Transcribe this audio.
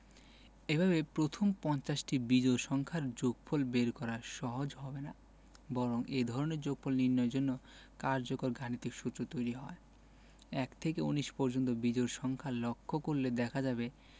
এভাবে প্রথম পঞ্চাশটি বিজোড় সংখ্যার যোগফল বের করা সহজ হবে না বরং এ ধরনের যোগফল নির্ণয়ের জন্য কার্যকর গাণিতিক সূত্র তৈরি হয় ১ থেকে ১৯ পর্যন্ত বিজোড় সংখ্যা লক্ষ করলে দেখা যাবে